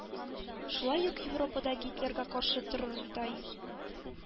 Шулай ук европада гитлерга каршы торырдай